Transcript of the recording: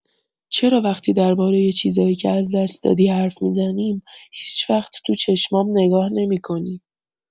چرا وقتی دربارۀ چیزایی که از دست دادی حرف می‌زنیم، هیچ‌وقت تو چشمام نگاه نمی‌کنی؟